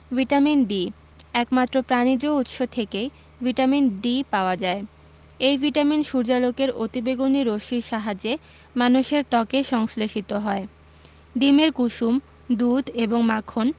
vitamin D একমাত্র প্রাণিজ উৎস থেকেই ভিটামিন D পাওয়া যায় এই ভিটামিন সূর্যালোকের অতিবেগুনি রশ্মির সাহায্যে মানুষের ত্বকে সংশ্লেষিত হয় ডিমের কুসুম দুধ এবং মাখন